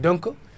donc